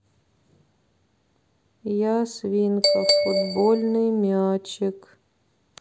я свинка футбольный мячик